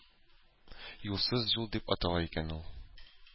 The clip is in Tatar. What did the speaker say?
«юлсыз юл» дип атала икән ул.